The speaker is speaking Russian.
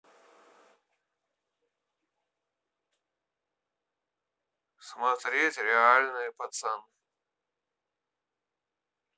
смотреть реальные пацаны